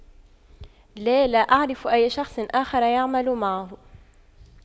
لا لا أعرف أي شخص آخر يعمل معه